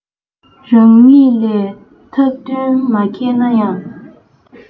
རང ཉིད ལས ཐབས འདུན མ མཁས ན ཡང